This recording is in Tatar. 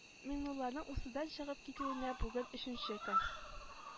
Миңнулланың усыдан чыгып китүенә бүген өченче көн